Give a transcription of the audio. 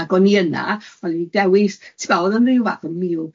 Ag o'n i yna, o'n i'n dewis, ti 'bod o'dd o'n ryw fath